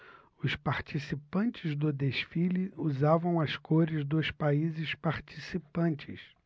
os participantes do desfile usavam as cores dos países participantes